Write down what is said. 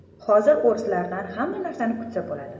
hozir o'rislardan hamma narsani kutsa bo'ladi